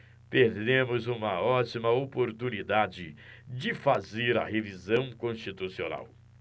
perdemos uma ótima oportunidade de fazer a revisão constitucional